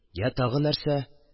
Йә тагы нәрсә?